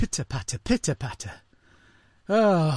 Pitter patter, pitter patter.